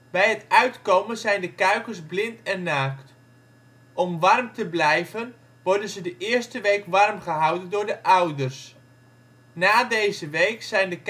Bij het uitkomen zijn de kuikens blind en naakt. Om warm te blijven worden ze de eerste week warmgehouden door de ouders. Na deze week zijn de